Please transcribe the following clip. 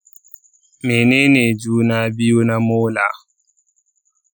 mene ne juna biyu na molar?